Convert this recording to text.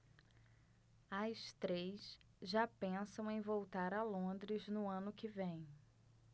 as três já pensam em voltar a londres no ano que vem